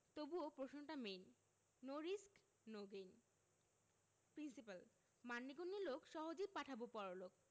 তবুও প্রশ্নটা main no risk no gain principle মান্যিগন্যি লোক সহজেই পাঠাবো পরলোকে